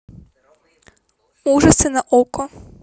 ужасы на окко